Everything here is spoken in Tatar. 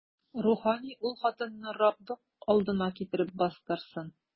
Рухани ул хатынны Раббы алдына китереп бастырсын.